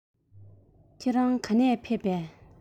ཁྱེད རང ག ནས ཕེབས པས